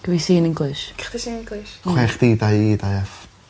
'Da fi See yn English. 'Da chdi See English. Chwech Dee dau Eee Dau Eff.